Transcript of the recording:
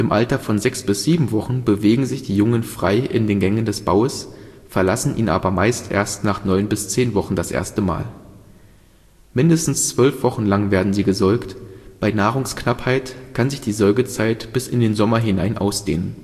Alter von sechs bis sieben Wochen bewegen sich die Jungen frei in den Gängen des Baues, verlassen ihn aber meist erst nach neun bis zehn Wochen das erste Mal. Mindestens zwölf Wochen werden sie gesäugt, bei Nahrungsknappheit kann sich die Säugezeit bis in den Sommer hinein ausdehnen